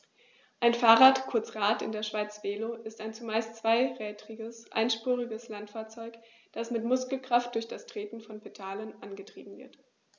Ein Fahrrad, kurz Rad, in der Schweiz Velo, ist ein zumeist zweirädriges einspuriges Landfahrzeug, das mit Muskelkraft durch das Treten von Pedalen angetrieben wird.